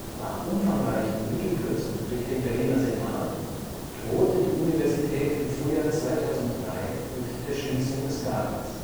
Nach umfangreichen Mittelkürzungen durch den Berliner Senat drohte die Universität im Frühjahr 2003 mit der Schließung des Gartens